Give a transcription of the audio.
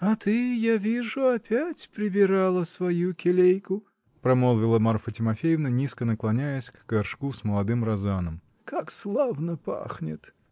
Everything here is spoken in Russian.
-- А ты, я вижу, опять прибирала свою келейку, -- промолвила Марфа Тимофеевна, низко наклоняясь к горшку с молодым розаном. -- Как славно пахнет!